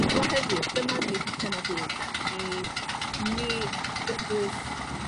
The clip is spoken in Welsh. cyfla heddiw dyma 'di p- penod un 'de i ni grybwyll